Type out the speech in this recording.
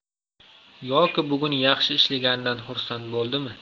yoki bugun yaxshi ishlaganidan xursand bo'ldimi